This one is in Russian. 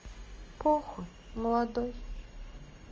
похуй молодой